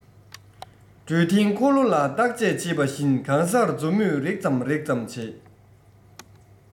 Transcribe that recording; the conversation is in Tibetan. འདྲུད འཐེན འཁོར ལོ ལ བརྟག དཔྱད བྱེད པ བཞིན གང སར མཛུབ མོས རེག ཙམ རེག ཙམ བྱེད